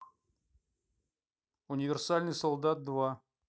универсальный солдат два